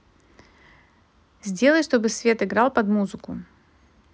сделай чтобы свет играл под музыку